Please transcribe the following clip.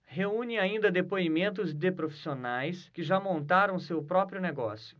reúne ainda depoimentos de profissionais que já montaram seu próprio negócio